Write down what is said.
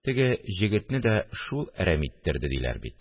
Теге җегетне дә шул әрәм иттерде, диләр бит